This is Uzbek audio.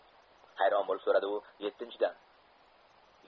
hayron bo'lib so'radi u yettinchidan